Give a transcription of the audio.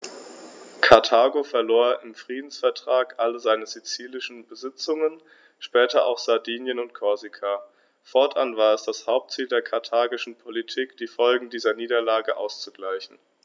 Karthago verlor im Friedensvertrag alle seine sizilischen Besitzungen (später auch Sardinien und Korsika); fortan war es das Hauptziel der karthagischen Politik, die Folgen dieser Niederlage auszugleichen.